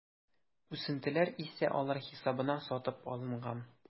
Үсентеләр исә алар хисабына сатып алынган.